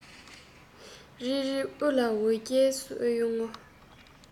རིལ རིལ དབུ ལ འོ རྒྱལ བཟོས ཡོང ངོ